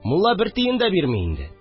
Мулла бер тиен дә бирми инде